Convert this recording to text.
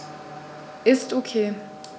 Ist OK.